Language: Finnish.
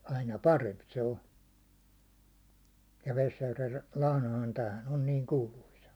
aina parempi se on ja Vesijärvellä lahnahan tämähän on niin kuuluisa